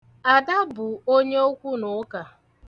Ada bụ onye okwunụụka.